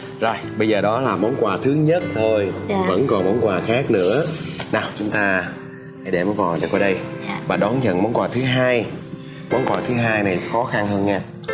rồi bây giờ đó là món quà thứ nhất thôi vẫn còn món quà khác nữa rồi nào chúng ta hãy để món quà hồng qua đây và đón nhận món quà thứ hai món quà thứ hai này khó khăn hơn nha